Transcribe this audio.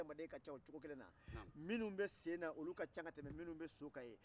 minnu bɛ sen na olu ka ca ka tɛmɛ minnu bɛ so kan ye